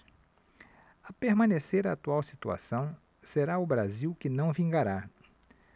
a permanecer a atual situação será o brasil que não vingará